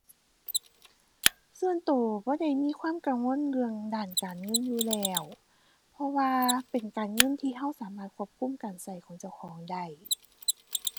ส่วนตัวบ่ได้มีความกังวลเรื่องด้านการเงินอยู่แล้ว เพราะว่าเป็นการเงินที่ตัวสามารถควบคุมการตัวของเจ้าของได้